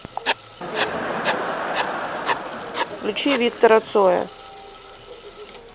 включи виктора цоя